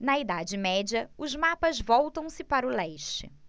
na idade média os mapas voltam-se para o leste